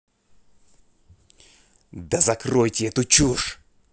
да закройте эту чушь